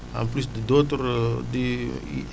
en plus de d' autres di